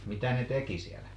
mitä ne teki siellä